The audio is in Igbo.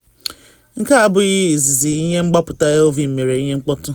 Nke a abụghị izizi ihe mgbapụta Elvie mere ihe mkpọtụ.